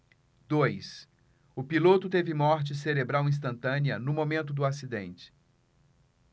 dois o piloto teve morte cerebral instantânea no momento do acidente